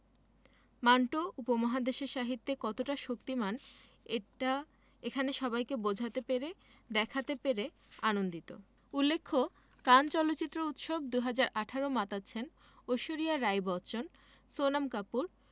মান্টো উপমহাদেশের সাহিত্যে কতটা শক্তিমান এটা এখানে সবাইকে বোঝাতে পেরে দেখাতে পেরে আনন্দিত উল্লেখ্য কান চলচ্চিত্র উৎসব ২০১৮ মাতাচ্ছেন ঐশ্বরিয়া রাই বচ্চন সোনম কাপুর